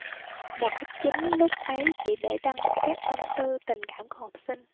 mục đích chính lúc ấy chỉ để đăng các tâm tư tình cảm của học sinh